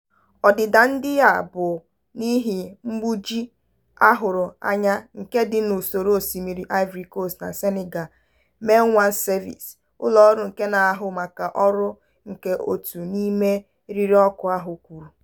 Ọdịda ndị a bụ n'ihi mgbuji a hụrụ anya nke dị n'ụsọ osimiri Ivory Coast na Senegal, Main One Service, ụlọọrụ na-ahụ maka ọrụ nke otu n'ime eririọkụ ahụ kwuru.